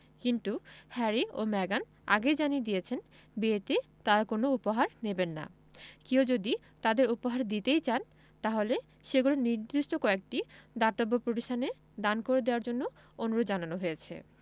কিন্তু হ্যারি ও মেগান আগেই জানিয়ে দিয়েছেন বিয়েতে তাঁরা কোনো উপহার নেবেন না কেউ যদি তাঁদের উপহার দিতেই চান তাহলে সেগুলো নির্দিষ্ট কয়েকটি দাতব্য প্রতিষ্ঠানে দান করে দেওয়ার জন্য অনুরোধ জানানো হয়েছে